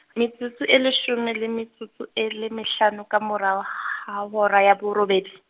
metsotso e leshome le metsotso e le mehlano ka morao ha hora ya borobedi.